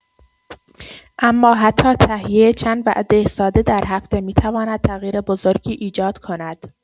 اما حتی تهیه چند وعده ساده در هفته می‌تواند تغییر بزرگی ایجاد کند.